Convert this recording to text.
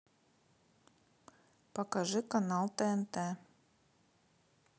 покажи канал тнт